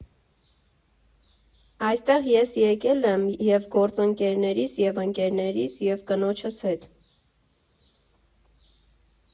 Այստեղ ես եկել եմ և գործընկերներիս, և ընկերներիս և կնոջս հետ։